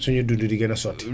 suñu dund di gën a sotti